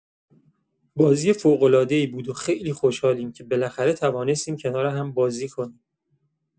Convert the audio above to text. بازی فوق‌العاده‌ای بود و خیلی خوشحالیم که بالاخره توانستیم کنار هم‌بازی کنیم.